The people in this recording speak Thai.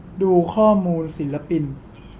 ดูข้อมูลศิลปิน